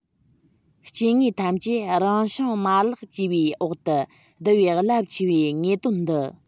སྐྱེ དངོས ཐམས ཅད རང བྱུང མ ལག ཅེས པའི འོག ཏུ བསྡུ བའི རླབས ཆེ བའི དངོས དོན འདི